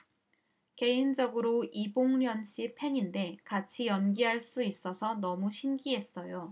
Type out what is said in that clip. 개인적으로 이봉련 씨 팬인데 같이 연기할 수 있어서 너무 신기했어요